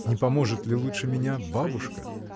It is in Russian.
— Не поможет ли лучше меня бабушка?